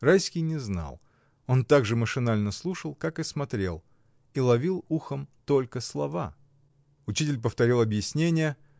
Райский не знал: он так же машинально слушал, как и смотрел, и ловил ухом только слова. Учитель повторил объяснение.